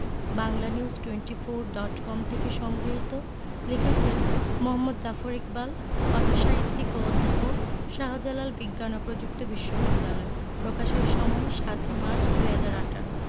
Banglanews twenty four dot com থেকে সংগৃহীত লিখেছেন মুহাম্মদ জাফর ইকবাল কথাসাহিত্যিক ও অধ্যাপক শাহজালাল বিজ্ঞান ও প্রযুক্তি বিশ্ববিদ্যালয় প্রকাশের সময় ০৭ ই মার্চ ২০১৮